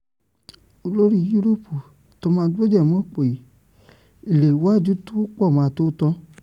Olórí yúròpù Thomas Bjorn mọ̀ pé ìléwájú tó pọ̀ má tó tán.